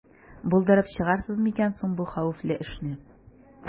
Булдырып чыгарсыз микән соң бу хәвефле эшне?